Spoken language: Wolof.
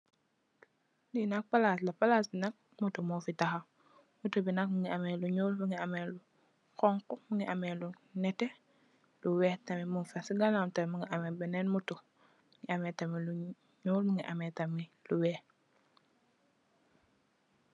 Li nak palaat la, palaac bi nak buntu mung fi tahaw. Buntu bi nak mungi ameh lu ñuul, mungi ameh lu honku, lu weeh tamit mung fa. Ci gannawam tamit mungi ameh benen moto mungi ameh tamit lu ñuul mungi ameh tamit lu weeh.